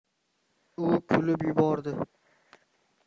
u kulib yubordi